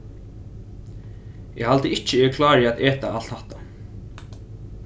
eg haldi ikki eg klári at eta alt hatta